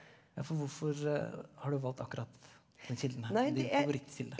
ja for hvorfor har du valgt akkurat den kilden her som din favorittkilde?